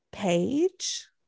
Paige?